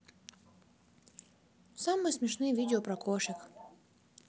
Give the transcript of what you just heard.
самые смешные видео про кошек